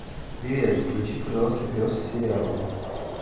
привет включи пожалуйста пес сериал